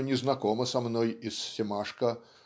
что незнакома со мной и с Семашко